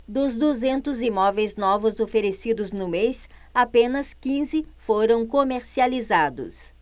dos duzentos imóveis novos oferecidos no mês apenas quinze foram comercializados